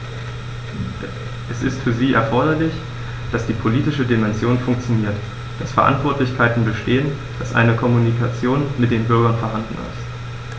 Es ist für sie erforderlich, dass die politische Dimension funktioniert, dass Verantwortlichkeiten bestehen, dass eine Kommunikation mit den Bürgern vorhanden ist.